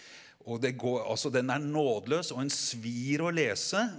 og det går altså den er nådeløs og den svir å lese.